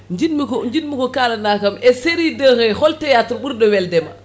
jinmi ko jinmo ko kalanakam e série 2 he hol théâtre weldema